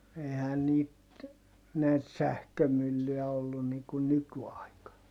eihän niitä näitä sähkömyllyjä ollut niin kuin nykyaikana